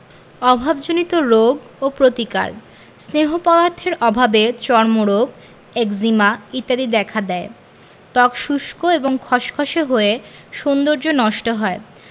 অভাবজনিত রোগ ও প্রতিকার স্নেহ পদার্থের অভাবে চর্মরোগ একজিমা ইত্যাদি দেখা দেয় ত্বক শুষ্ক এবং খসখসে হয়ে সৌন্দর্য নষ্ট হয়